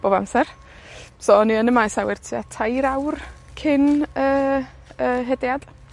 bob amser. So o'n i yn y maes awyr tua tair awr cyn y y hediad.